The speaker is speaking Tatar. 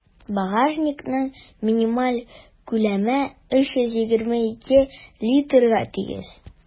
Багажникның минималь күләме 322 литрга тигез.